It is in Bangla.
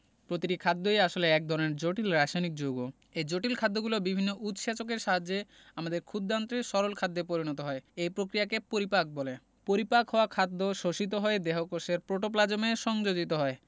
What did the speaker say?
প্রতিটি খাদ্যই আসলে এক ধরনের জটিল রাসায়নিক যৌগ এই জটিল খাদ্যগুলো বিভিন্ন উৎসেচকের সাহায্যে আমাদের ক্ষুদ্দান্তে সরল খাদ্যে পরিণত হয় এই প্রক্রিয়াকে পরিপাক বলে পরিপাক হওয়া খাদ্য শোষিত হয়ে দেহকোষের প্রোটোপ্লাজমে সংযোজিত হয়